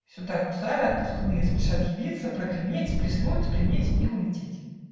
Сюда гусары отпускные Спешат явиться, прогреметь, Блеснуть, пленить и улететь.